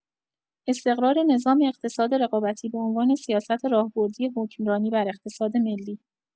استقرار نظام اقتصاد رقابتی به عنوان سیاست راهبردی حکمرانی بر اقتصاد ملی